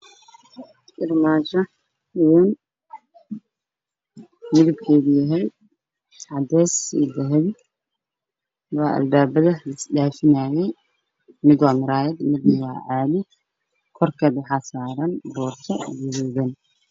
Meeshaan waxaa taalo ah oo ku dhex jiraan macawisyo midabkoodu yahay jaalo iyo gaduud